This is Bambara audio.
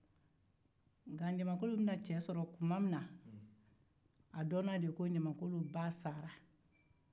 nka ɲamankolon be na ce sɔrɔ tu ma min na a dɔnna de ko a ba sara